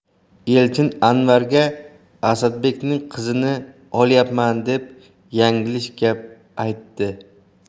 elchin anvarga asadbekning qizini olyapman deb yanglish gap aytdi